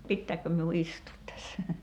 pitääkö minun istua tässä